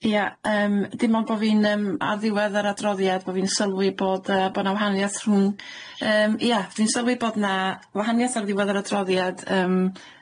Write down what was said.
Ie yym dim ond bo' fi'n yym ar ddiwedd yr adroddiad bo' fi'n sylwi bod y- bo' na wahanieth rhwng yym ia dwi'n sylwi bod na wahanieth ar ddiwedd yr adroddiad yym.